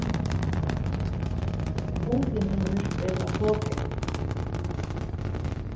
unglingarnir spæla poker